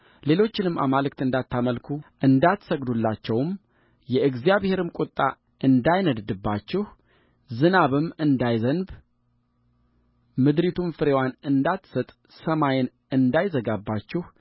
ሌሎችንም አማልክት እንዳታመልኩ እንዳትሰግዱላቸውምየእግዚአብሔርም ቍጣ እንዳይነድድባችሁ ዝናብም እንዳይዘንብ ምድሪቱም ፍሬዋን እንዳትሰጥ ሰማይን እንዳይዘጋባችሁ